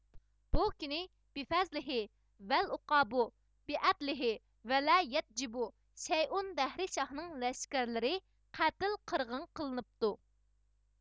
بۇ كۈنى بىفەزلىھې ۋەل ئۇقابۇ بىئەدلىھې ۋەلە يەدجىبۇ شەيئۇن دەھرىي شاھنىڭ لەشكەرلىرى قەتل قىرغىن قىلىنىپتۇ